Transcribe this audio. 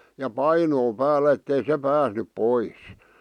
ja painoa päällä että ei se päässyt pois